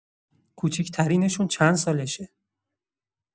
کوچیک‌ترینشون چند سالشه؟